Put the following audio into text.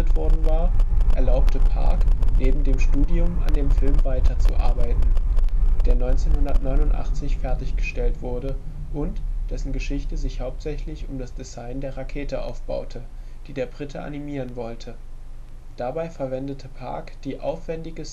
worden war, erlaubte Park neben dem Studium an dem Film weiterzuarbeiten, der 1989 fertiggestellt wurde und dessen Geschichte sich hauptsächlich um das Design der Rakete aufbaute, die der Brite animieren wollte. Dabei verwendete Park die aufwändige